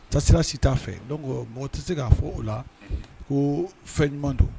Ta sira si t' a fɛ mɔgɔ tɛ se k'a fɔ o la ko fɛn ɲuman don